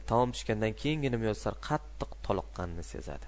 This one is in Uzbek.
taom pishgandan keyingina muyassar qattiq to liqqanini sezadi